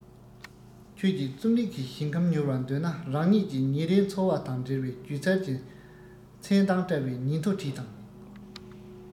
ཁྱོད ཀྱིས རྩོམ རིག གི ཞིང ཁམས ཉུལ བར འདོད ན རང ཉིད ཀྱི ཉིན རེའི འཚོ བ དང འབྲེལ བའི སྒྱུ རྩལ གྱི མཚན མདངས བཀྲ བའི ཉིན ཐོ བྲིས དང